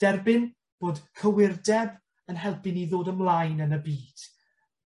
Derbyn bod cywirdeb yn helpu ni ddod ymlaen yn y byd.